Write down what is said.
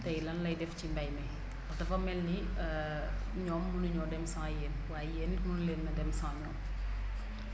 tay lan lay def ci mbay mi dafa mel ni ñoom mënuñoo dem sans yéen waaye yéen it mënuleen a dem sans ñoom